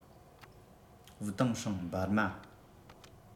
ཝུའུ ཏེང ཧྲེང འབར མ